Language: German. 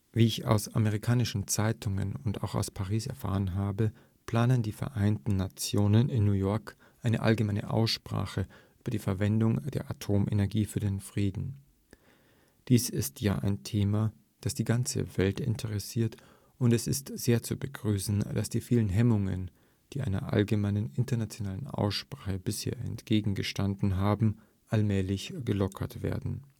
ich aus amerikanischen Zeitungen und auch aus Paris erfahren habe, planen die Vereinten Nationen in New York eine allgemeine Aussprache über die Verwendung der Atomenergie für den Frieden. Dies ist ja ein Thema, das die ganze Welt interessiert, und es ist sehr zu begrüßen, dass die vielen Hemmungen, die einer allgemeinen internationalen Aussprache bisher entgegengestanden haben, allmählich gelockert werden